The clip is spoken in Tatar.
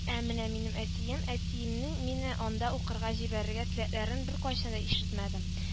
Ә менә минем әтием, әниемнән мине анда укырга җибәрергә теләкләрен беркайчан ишетмәдем